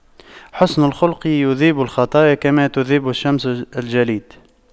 حُسْنُ الخلق يذيب الخطايا كما تذيب الشمس الجليد